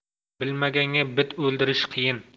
bilmaganga bit o'ldirish qiyin